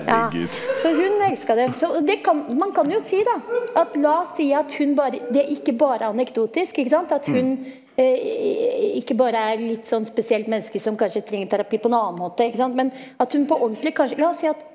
ja så hun elska det, så og det kan man kan jo si da at la oss si at hun bare det ikke bare er anekdotisk ikke sant at hun ikke bare er litt sånn spesielt menneske som kanskje trenger terapi på en annen måte ikke sant, men at hun på ordentlig kanskje la oss si at.